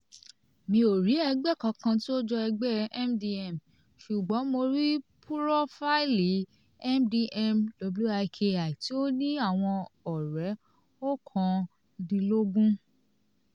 Mi ò rí ẹgbẹ́ kankan tí ó jọ Ẹgbẹ́ MDM, ṣùgbọ́n mo rí púrófáìlì MDMWIKI, tí ó ní àwọn ọ̀rẹ́ 19.